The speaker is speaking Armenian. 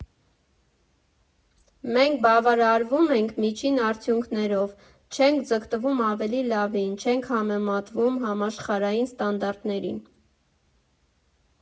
Մենք բավարարվում ենք միջին արդյունքներով, չենք ձգտվում ավելի լավին, չենք համեմատվում համաշխարհային ստանդարտներին։